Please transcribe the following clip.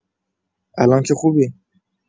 الان که خوبی؟